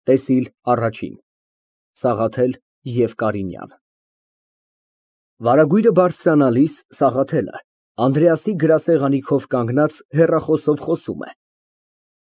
ՏԵՍԻԼ մեկ ՍԱՂԱԹԵԼ ԵՎ ԿԱՐԻՆՅԱՆ Վարագույրը բարձրանալիս, Սաղաթելը, Անդրեասի գրասեղանի մոտ կանգնած, հեռախոսով խոսում է։